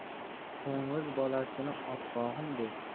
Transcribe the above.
qo'ng'iz bolasini oppog'im der